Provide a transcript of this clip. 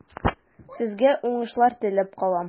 Сезгә уңышлар теләп калам.